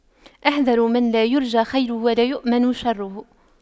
احذروا من لا يرجى خيره ولا يؤمن شره